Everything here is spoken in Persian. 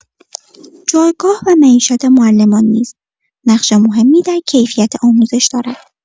جایگاه و معیشت معلمان نیز نقش مهمی در کیفیت آموزش دارد.